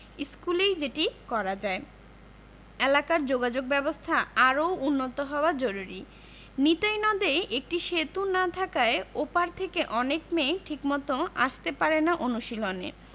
স্কুলেই যেটি করা যায় এলাকার যোগাযোগব্যবস্থা আরও উন্নত হওয়া জরুরি নিতাই নদে একটি সেতু না থাকায় ও পার থেকে অনেক মেয়ে ঠিকমতো আসতে পারে না অনুশীলনে